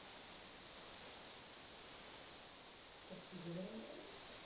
спасибо дорогая